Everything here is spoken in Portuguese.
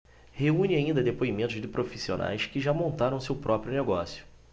reúne ainda depoimentos de profissionais que já montaram seu próprio negócio